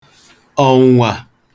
ọ̀ụ̀nwà